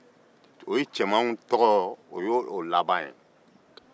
o ye cɛmanw tɔgɔ laban ye